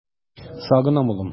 Сагынам, улым!